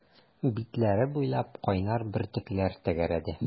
Битләре буйлап кайнар бөртекләр тәгәрәде.